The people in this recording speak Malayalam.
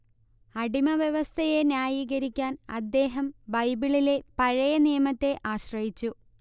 അടിമവ്യവസ്ഥയെ ന്യായീകരിക്കാൻ അദ്ദേഹം ബൈബിളിലെ പഴയനിയമത്തെ ആശ്രയിച്ചു